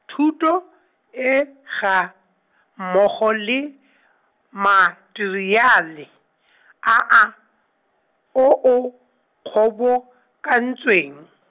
thuto, e, ga, mmogo le , materiale , a a, o o, kgobokantsweng.